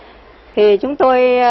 thì chúng tôi